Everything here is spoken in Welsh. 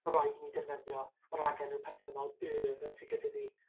ma' raid i ni defnyddio y ragenw perthynol y fel sy gyda ni